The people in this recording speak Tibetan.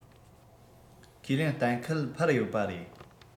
ཁས ལེན གཏན འཁེལ འཕར ཡོད པ རེད